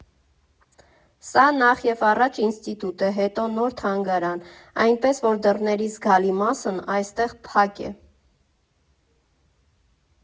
Սա նախևառաջ ինստիտուտ է, հետո նոր թանգարան, այնպես որ դռների զգալի մասն այստեղ փակ է։